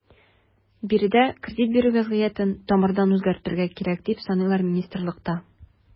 Биредә кредит бирү вәзгыятен тамырдан үзгәртергә кирәк, дип саныйлар министрлыкта.